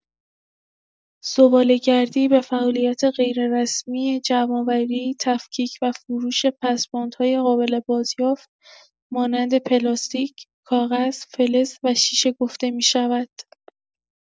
زباله‌گردی به فعالیت غیررسمی جمع‌آوری، تفکیک و فروش پسماندهای قابل بازیافت مانند پلاستیک، کاغذ، فلز و شیشه گفته می‌شود.